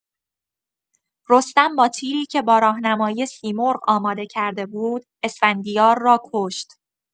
رستم با تیری که با راهنمایی سیمرغ آماده کرده بود، اسفندیار را کشت.